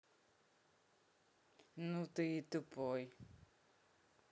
ну ты и тупой